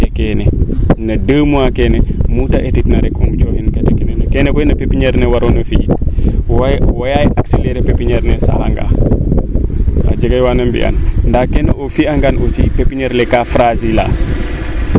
keene no deux mois keene mute etiid na rek im coxin kene ke no keene koy no pepiniere ke waroono fi waya accelerer pepiniere ne sax a nga a a jega waana mbiyan ndaa kene o fiya ngaan aussi pepiniere le aka fragile a